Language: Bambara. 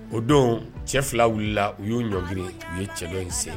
O doon cɛ 2 wulila u y'u ɲɔngiri nin cɛ dɔn in sen